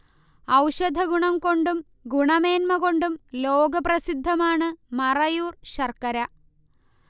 ഔഷധഗുണം കൊണ്ടും ഗുണമേൻമക്കൊണ്ടും ലോകപ്രസിദ്ധമാണ് മറയൂർ ശർക്കര